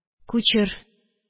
Кучер: